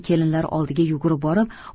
kelinlar oldiga yugurib borib